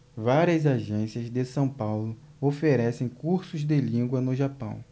várias agências de são paulo oferecem cursos de língua no japão